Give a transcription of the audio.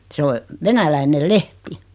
se on venäläinen lehti